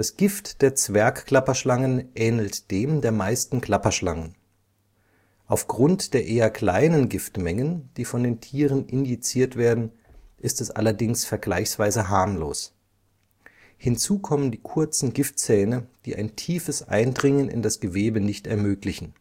Gift der Zwergklapperschlangen ähnelt dem der meisten Klapperschlangen. Aufgrund der eher kleinen Giftmengen, die von den Tieren injiziert werden, ist es allerdings vergleichsweise harmlos. Hinzu kommen die kurzen Giftzähne, die ein tiefes Eindringen in das Gewebe nicht ermöglichen